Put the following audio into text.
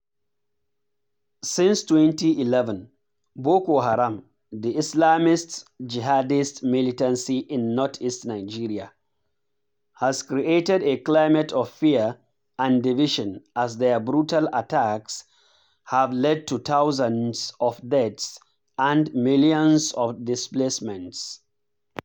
Since 2011, Boko Haram, the Islamist jihadist militancy in northeast Nigeria, has created a climate of fear and division as their brutal attacks have led to thousands of deaths and millions of displacements.